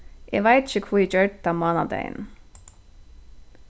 eg veit ikki hví eg gjørdi tað mánadagin